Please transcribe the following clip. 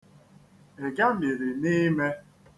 Ị gamiri n'ime?